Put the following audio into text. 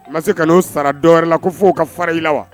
Ma se ka n'o sara dɔwɛrɛ la ko fɔ' ka fara i la wa